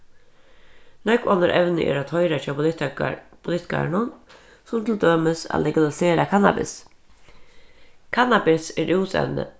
nógv onnur evni eru at hoyra hjá politikarunum sum til dømis at legalisera kannabis kannabis er rúsevni